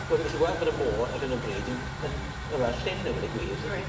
Wel fi'n gallu gweld fod y môr ar hyn o bryd yn yn ma' fe llyn a weud y gwir